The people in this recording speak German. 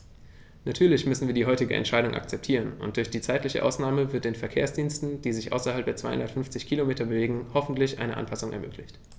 Natürlich müssen wir die heutige Entscheidung akzeptieren, und durch die zeitliche Ausnahme wird den Verkehrsdiensten, die sich außerhalb der 250 Kilometer bewegen, hoffentlich eine Anpassung ermöglicht.